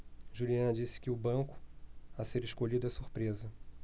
juliana disse que o banco a ser escolhido é surpresa